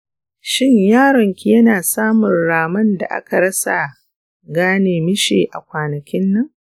shin yaron ki yana samun raman da aka rasa gane mishi a kwanakin nan?